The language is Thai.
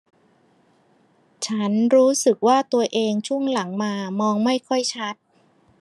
ฉันรู้สึกว่าตัวเองช่วงหลังมามองไม่ค่อยชัด